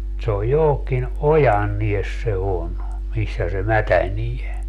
se on johonkin ojanne se on missä se mätänee